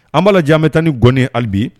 Anba janmɛ tan ni gnen halibi